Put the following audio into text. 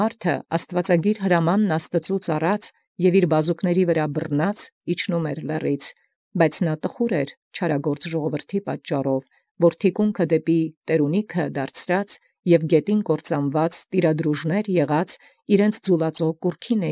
Առեալ և աստուածագիր հրաման ի բազուկս՝ այրն աստուածատես ի լեռնէն իջանէր. այլ վասն վրէժագործ ժողովրդեանն, որոց թիկունք ի տէրունիսն և կործան յերկիր, տիրադրուժք յիւրեանց կուռս ձուլածուին։